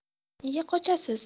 nega qochasiz